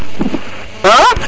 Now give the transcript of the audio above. a